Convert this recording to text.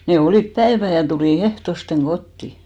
ne olivat päivän ja tuli ehtoosti kotiin